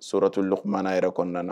Sotu lkumana yɛrɛ kɔnɔna na